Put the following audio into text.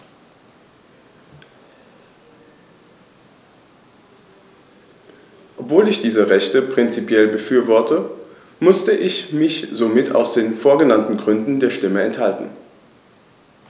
Obwohl ich diese Rechte prinzipiell befürworte, musste ich mich somit aus den vorgenannten Gründen der Stimme enthalten.